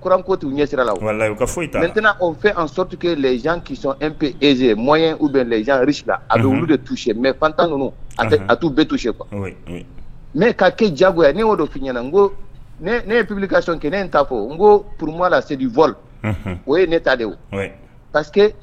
kuranko tu ɲɛ sira la n tɛna o fɛ an sɔti lajɛz kisɔnp eze mɔn u bɛ lajɛ a bɛ de tuu sɛ mɛ fɛntan a t'u bɛɛ tu se kuwa ne ka kɛ jago ne'o don f fi ɲɛnaɲɛna n ko ne ye pbili ka sɔn kɛ ne in t taa fɔ n ko p la se fɔ o ye ne ta de